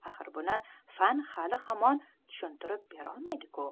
axir buni fan hali hamon tushuntirib berolmaydi ku